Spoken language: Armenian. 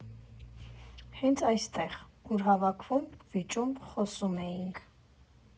Հենց այստեղ, ուր հավաքվում, վիճում, խոսում էինք։